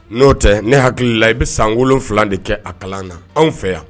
N'o tɛ ne hakili la i bɛ san wolonwula de kɛ a kalan na anw fɛ yan